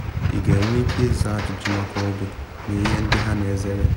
Ị ga-enwe ike ịza ajụjụ maka ọgwụ na ihe ndị ha na ezere?